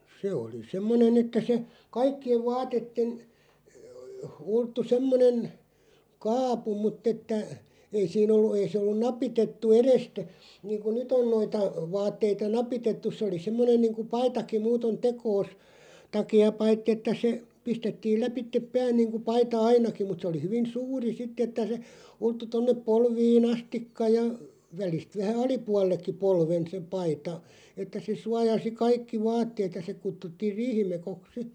se oli semmoinen että se kaikkien vaatteiden ulottui semmoinen kaapu mutta että ei siinä ollut ei se ollut napitettu edestä niin kuin nyt on noita vaatteita napitettu se oli semmoinen niin kuin paitakin muuten tekonsa takia - paitsi että se pistettiin läpi pään niin kuin paita ainakin mutta se oli hyvin suuri sitten että se ulottui tuonne polviin asti ja välistä vähän alapuolellekin polven se paita että se suojasi kaikki vaatteet ja se kutsuttiin riihimekoksi sitten